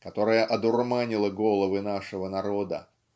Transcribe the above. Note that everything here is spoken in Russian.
которая одурманила головы нашего народа.